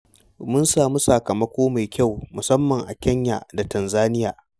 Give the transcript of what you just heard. Mun samu sakamako mai kyau, musamman a Kenya da Tanzania.